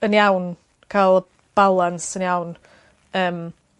yn iawn ca'l balans yn iawn yym.